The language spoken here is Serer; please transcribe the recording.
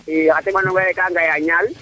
iyo xa teɓanonga xe ka ngaya ñaal